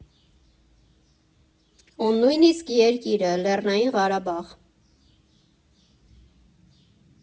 Ու նույնիսկ երկիրը՝ Լեռնային Ղարաբաղ։